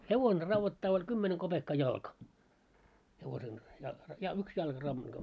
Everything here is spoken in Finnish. hevonen raudoittaa oli kymmenen kopeekkaa jalka hevosen -- yksi jalka raudoittaa